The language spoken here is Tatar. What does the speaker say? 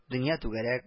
Дөнья түгәрәк